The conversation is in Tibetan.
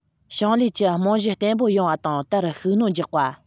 ཞིང ལས ཀྱི རྨང གཞི བརྟན པོ ཡོང བ དང དེར ཤུགས སྣོན རྒྱག པ